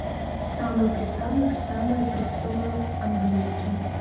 самые пресамые присамые пристовы английские